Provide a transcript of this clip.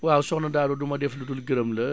waaw soxan Dado du ma def lu dul gërëm la